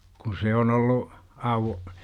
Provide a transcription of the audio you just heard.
kun se on ollut auki